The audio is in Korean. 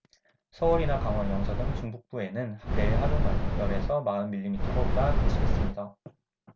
서울이나 강원 영서 등 중북부에는 내일 하루만 열 에서 마흔 밀리미터가 오다 그치겠습니다